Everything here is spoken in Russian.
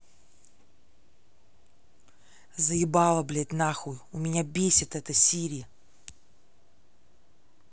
заебало блять нахуй у меня бесит это сири